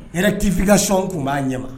Rectification n tun b'a ɲɛma